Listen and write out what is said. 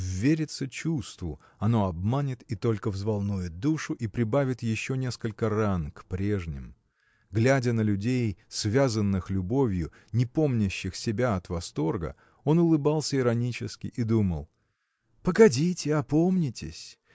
Ввериться чувству – оно обманет и только взволнует душу и прибавит еще несколько ран к прежним. Глядя на людей связанных любовью не помнящих себя от восторга он улыбался иронически и думал Погодите, опомнитесь